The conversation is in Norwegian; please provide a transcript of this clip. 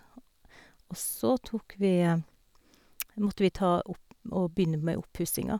Og så tok vi måtte vi ta opp og begynne med oppussinga.